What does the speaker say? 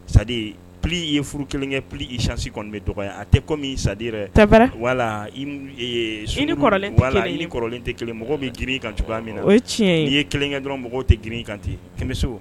Sadi pli i ye furu kelen kɛ pl icsi kɔnɔn bɛ dɔgɔ ye a tɛ comi sadi yɛrɛ tɛpɛrɛ wala wala i ni kɔrɔ tɛ kelen bɛ dimi kan cogoya min na o ye tiɲɛ i ye kelen kɛ dɔrɔn mɔgɔw tɛ dimi kan ten kɛmɛ bɛ se